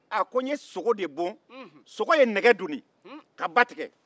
a ko n ye sogo de bon sogo ye nɛgɛ doni ka ba tigɛ